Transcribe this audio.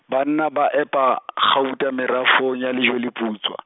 banna ba epa , kgauta merafong ya Lejweleputswa.